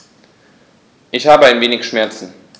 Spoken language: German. Ich habe ein wenig Schmerzen.